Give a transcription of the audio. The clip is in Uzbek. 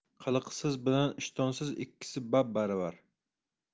qiliqsiz bilan ishtonsiz ikkisi bab baravar